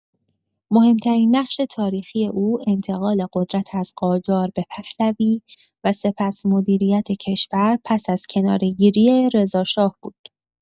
مهم‌ترین نقش تاریخی او انتقال قدرت از قاجار به پهلوی و سپس مدیریت کشور پس از کناره‌گیری رضا شاه بود؛